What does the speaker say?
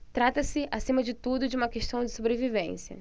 trata-se acima de tudo de uma questão de sobrevivência